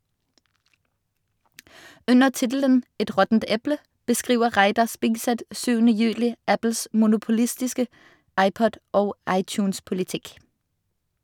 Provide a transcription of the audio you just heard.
Under tittelen «Et råttent eple» beskriver Reidar Spigseth 7. juli Apples monopolistiske iPod- og iTunes-politikk.